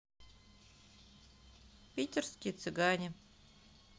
питерские цыгане